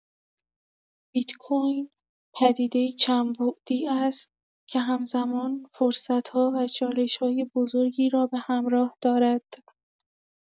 بیت‌کوین پدیده‌ای چندبعدی است که همزمان فرصت‌ها و چالش‌های بزرگی را به همراه دارد.